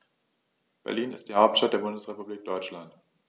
Berlin ist die Hauptstadt der Bundesrepublik Deutschland.